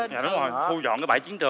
dạ đúng rồi thu dọn cái bãi chiến trường